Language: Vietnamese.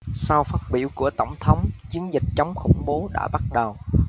sau phát biểu của tổng thống chiến dịch chống khủng bố đã bắt đầu